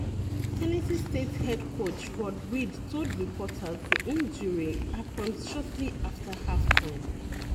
Tennessee State head coach Rod Reed told reporters the injury happened shortly before halftime.